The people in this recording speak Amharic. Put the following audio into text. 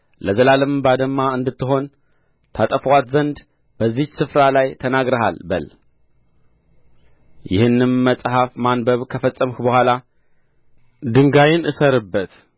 ለዘላለምም ባድማ እንድትሆን ታጠፋት ዘንድ በዚህች ስፍራ ላይ ተናግረሃል በል ይህንም መጽሐፍ ማንበብ ከፈጸምህ በኋላ ድንጋይን እሰርበት